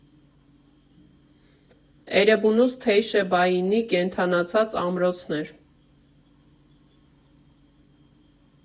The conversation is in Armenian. Էրեբունուց Թեյշեբաինի՝ կենդանացած ամրոցներ։